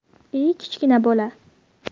ey kichkina bola